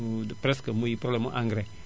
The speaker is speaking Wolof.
muy presque muy problème mu engrais